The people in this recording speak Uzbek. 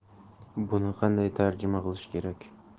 buni qanday tarjima qilish kerak